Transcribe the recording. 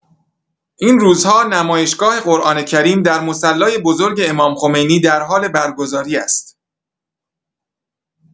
این روزها نمایشگاه قرآن‌کریم در مصلی بزرگ امام‌خمینی در حال برگزاری است.